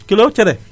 kilo cere